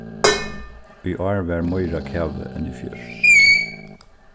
í ár var meira kavi enn í fjør